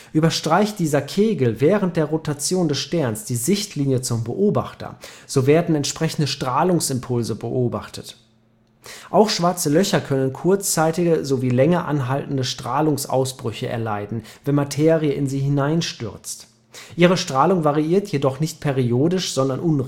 Überstreicht dieser Kegel während der Rotation des Sterns die Sichtlinie zum Beobachter, so werden entsprechende Strahlungsimpulse beobachtet. Auch Schwarze Löcher können kurzzeitige sowie länger anhaltende Strahlungsausbrüche erleiden, wenn Materie in sie hineinstürzt. Ihre Strahlung variiert jedoch nicht periodisch sondern